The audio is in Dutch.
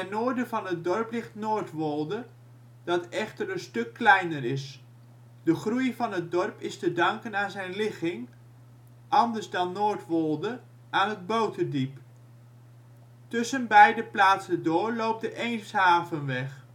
noorden van het dorp ligt Noordwolde, dat echter een stuk kleiner is. De groei van het dorp is te danken aan zijn ligging (anders dan Noordwolde) aan het Boterdiep. Tussen beide plaatsen door loopt de Eemshavenweg